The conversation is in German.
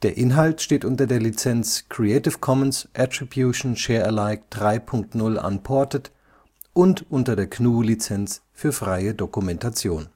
Inhalt steht unter der Lizenz Creative Commons Attribution Share Alike 3 Punkt 0 Unported und unter der GNU Lizenz für freie Dokumentation